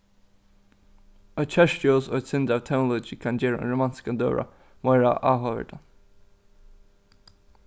eitt kertuljós og eitt sindur av tónleiki kann gera ein romantiskan døgurða meira áhugaverdan